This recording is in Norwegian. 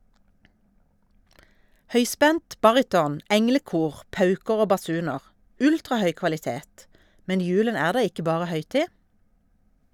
Høyspent, baryton, englekor, pauker og basuner, ultrahøy kvalitet, men julen er da ikke bare høytid?